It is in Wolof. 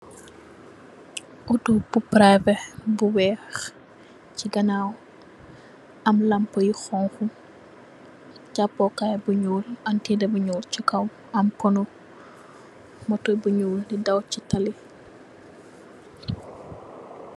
Auto bu private bu weeh, chi ganaaw am lampa yu honku, japukaay bu ñuul, am tèdd bu ñuul chi kaw, am panu. Moto bu ñuul di daw chi taali.